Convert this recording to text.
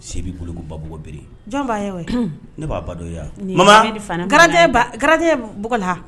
Se'i bolo babugu biri jɔnfa ye ne b'a badɔya garan garan b bola